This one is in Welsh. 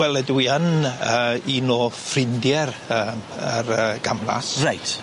Wel ydw i yn yy un o ffrindie'r yym yr yy gamlas. Reit.